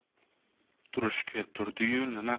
turishga turdi yu nima